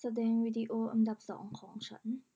แสดงวิดีโออันดับสองของฉัน